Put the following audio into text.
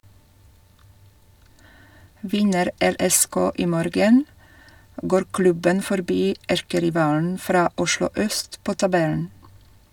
Vinner LSK i morgen, går klubben forbi erkerivalen fra Oslo øst på tabellen.